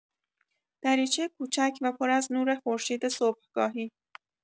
دریچه کوچک و پر از نور خورشید صبحگاهی